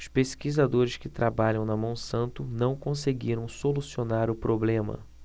os pesquisadores que trabalham na monsanto não conseguiram solucionar o problema